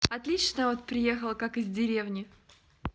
отлично от приехал как из деревни